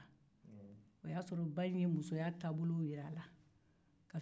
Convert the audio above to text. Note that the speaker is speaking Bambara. a y'a sɔrɔ ba in ye musoya taabolo jira la